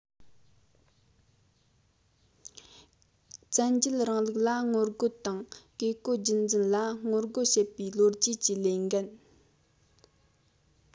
བཙན རྒྱལ རིང ལུགས ལ ངོ རྒོལ དང བཀས བཀོད རྒྱུད འཛིན ལ ངོ རྒོལ བྱེད པའི ལོ རྒྱུས ཀྱི ལས འགན